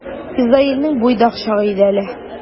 Изаилнең буйдак чагы иде әле.